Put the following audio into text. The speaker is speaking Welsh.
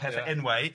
pethe, enwau.